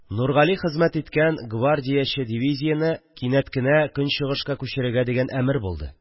Нургали хезмәт иткән гвардияче дивизияне кинәт кенә Көнчыгышка күчерергә дигән әмер булды